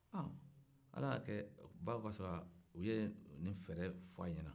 ala y'a kɛ baw ka sɔrɔ u ka nin fɛɛrɛ f'a ɲɛna